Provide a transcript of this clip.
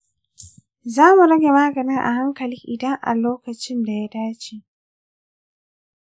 za mu rage maganin a hankali idan a lokacin da ya dace..